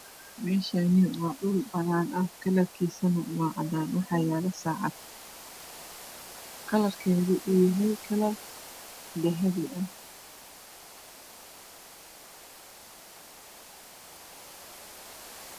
Meeshaani waa dhul banaan ah kalarkiisana waa cadaan waxaa yaalo saacad kalarkeedu yahay kalar dahabi